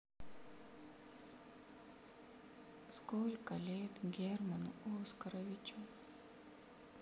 сколько лет герману оскаровичу